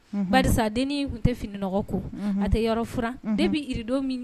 Barisa , denin in tun tɛ fininɔgɔ ko, a tɛ yɔrɔ fura depuis ni rideau min